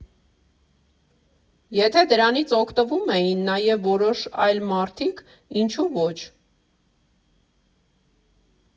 Եթե դրանից օգտվում էին նաև որոշ այլ մարդիկ, ինչու՞ ոչ։